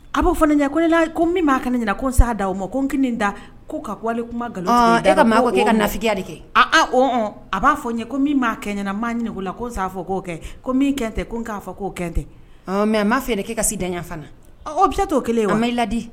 A b'o fana ɲɛ ko nela ko min' ka ɲɛna ko n'a da' aw ma ko nk nin da ko ka ale kuma nkalon e ka e ka lafifiya de kɛ a b'a fɔ n ye ko min b'a kɛ ɲɛna maa ɲini ko la ko n'a fɔ k'o kɛ ko min kɛ tɛ ko k'a fɔ k'o kɛ tɛ mɛ m ma fɛ k' ka si dan fana o bɛ t'o kelen ye wa ma i ladi